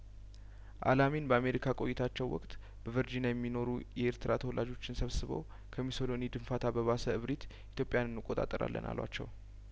አላሚን በአሜሪካ ቆይታቸው ወቅት በቨርጂኒያ የሚኖሩ የኤርትራ ተወላጆችን ሰብስበው ከሚሶሊኒ ድንፋታ በባሰ እብሪት ኢትዮጵያን እንቆጣጠራለን አሏቸው